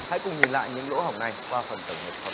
hãy cùng nhìn lại những lỗ hổng này qua phần tổng hợp sau